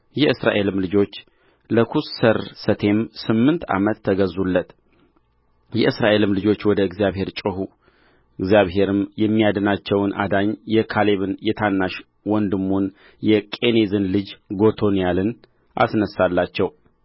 የእስራኤልም ልጆች ለኵሰርሰቴም ስምንት ዓመት ተገዙለት የእስራኤልም ልጆች ወደ እግዚአብሔር ጮኹ እግዚአብሔርም የሚያድናቸውን አዳኝ የካሌብን የታናሽ ወንድሙን የቄኔዝን ልጅ ጎቶንያልን አስነሣላቸው